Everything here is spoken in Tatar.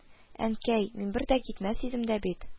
– әнкәй, мин бер дә китмәс идем дә бит